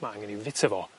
ma' angen i'w fita fo